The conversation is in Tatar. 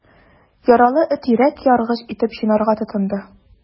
Яралы эт йөрәк яргыч итеп чинарга тотынды.